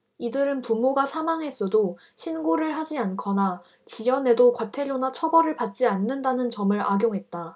이들은 부모가 사망했어도 신고를 하지 않거나 지연해도 과태료나 처벌을 받지 않는다는 점을 악용했다